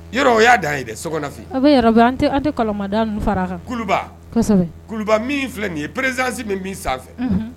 Yɔrɔ o y'a da ye so an tɛ farababa min filɛ nin ye pererezsi min sanfɛ